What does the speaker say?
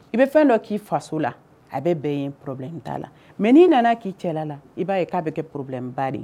I bɛ fɛn dɔ k'i faso la a bɛ bɛn ye porobi in t'a la mɛ n'i nana k'i cɛla la i b'a ye k'a bɛ kɛ porobiba de ye